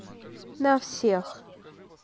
на всех